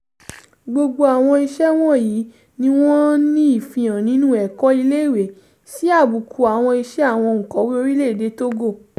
Gbogbo àwọn iṣẹ́ wọ̀nyìí ni wọ́n ní ìfihàn nínú ẹ̀kọ́ ilé-ìwé, sí àbùkù àwọn iṣẹ́ àwọn òǹkọ̀wé orílẹ̀-èdè Togo.